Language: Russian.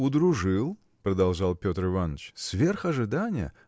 удружил, – продолжал Петр Иваныч, – сверх ожидания!